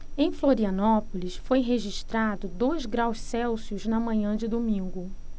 em florianópolis foi registrado dois graus celsius na manhã de domingo